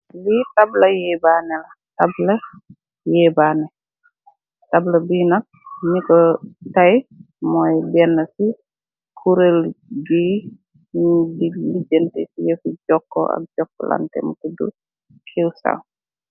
Li tabla yebaneh la tabla yebaneh tablo bi nak nyu ko tay moi bena turr korai bi de legenteh si yefi joko ak jokolanteh mu tudo Qcell.